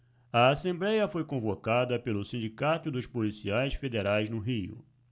a assembléia foi convocada pelo sindicato dos policiais federais no rio